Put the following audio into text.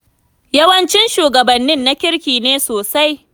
Yawancin shugabannin na kirki ne sosai.